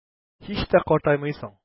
Һич тә картаймыйсың.